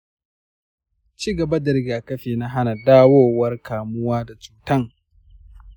ci gaba da rigakafi na hana dawowar kamuwa da cutan.